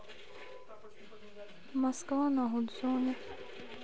москва на гудзоне